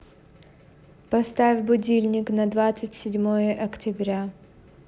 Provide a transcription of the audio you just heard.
поставь будильник на двадцать седьмое октября